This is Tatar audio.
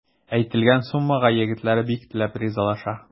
Әйтелгән суммага егетләр бик теләп ризалаша.